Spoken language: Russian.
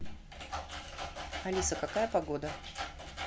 алиса какая погода